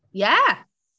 Ie!